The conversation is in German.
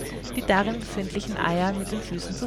darin befindlichen Eier mit den Füßen